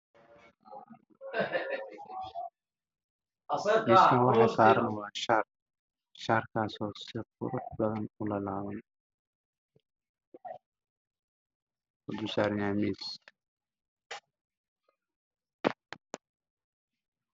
Miiskaan waxaa saaran waa shaar shaar kaasoo si qurux badan u laalaaban wuxuu dul saaran yahay miis.